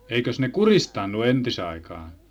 eikös ne kuristanut entisaikaan